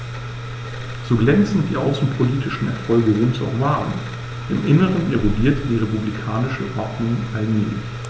So glänzend die außenpolitischen Erfolge Roms auch waren: Im Inneren erodierte die republikanische Ordnung allmählich.